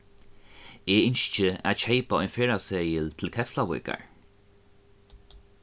eg ynski at keypa ein ferðaseðil til keflavíkar